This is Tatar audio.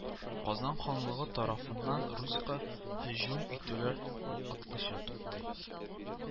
Казан ханлыгы тарафыннан Руська һөҗүм итүләр вакытлыча туктый